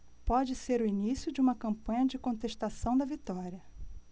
pode ser o início de uma campanha de contestação da vitória